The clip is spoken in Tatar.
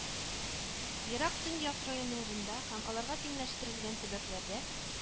Ерак Төньяк районнарында һәм аларга тиңләштерелгән төбәкләрдә